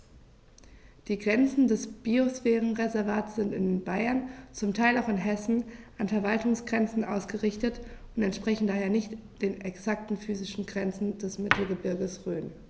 Die Grenzen des Biosphärenreservates sind in Bayern, zum Teil auch in Hessen, an Verwaltungsgrenzen ausgerichtet und entsprechen daher nicht exakten physischen Grenzen des Mittelgebirges Rhön.